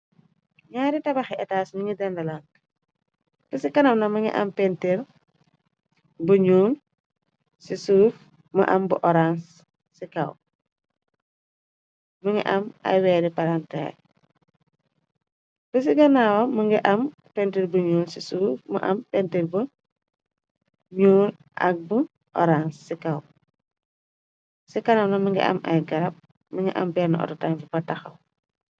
Ñaari tabaxi etaas ñu ngi dendalank, bi ci ganaw na bu oranse, ci kaweei paant bi ganawa mungi am pentir bu ñuul, ci suuf mu am pentir bu ñuul, ak bu orance ci kaw, ci kanaw na mi ngi am ay garab, mi ngi am penn orotin bu ba taxaw.